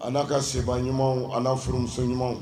An ka sebaa ɲumanw an furumuso ɲumanw